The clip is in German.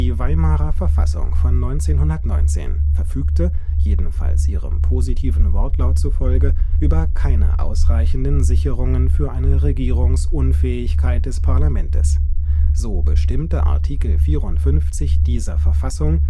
Weimarer Verfassung von 1919 verfügte (jedenfalls ihrem positiven Wortlaut zufolge) über keine ausreichenden Sicherungen für eine Regierungsunfähigkeit des Parlaments. So bestimmte Artikel 54 dieser Verfassung